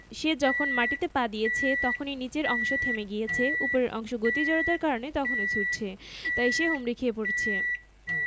কোনো কিছুর জড়তা যদি বেশি হয় তাহলে বুঝতে হবে তার ভরও নিশ্চয়ই বেশি জড়তা যদি কম হয় তাহলে ভরও কম তোমরা নিশ্চয়ই এটা লক্ষ করেছ সমান পরিমাণ বল প্রয়োগ করা হলে যার ভর বেশি সেটাকে বেশি বিচ্যুত করা যায় না কিন্তু যার ভয় কম